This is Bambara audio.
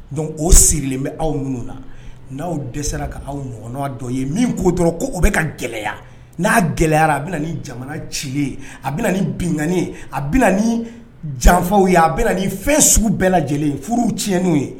Donc o sirilen bɛ aw nunun na , n'aw dɛsɛla ka aw ɲɔgɔn dɔ ye min' dɔrɔn ko o bɛ ka gɛlɛya . Na gɛlɛyara a bɛ na ni jamana ci li ye . A bɛ ni binkanni ye . A bɛ na ni janfaw ye . A bɛ ni fɛn sugu bɛɛ lajɛlen. Furuw tiɲɛniw ye.